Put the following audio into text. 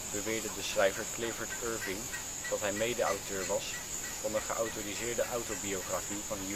beweerde de schrijver Clifford Irving dat hij mede-auteur was van een geautoriseerde autobiografie van